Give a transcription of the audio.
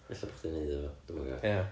ella bo' chdi neud iddo fo... dwi'm 'bo ...ia...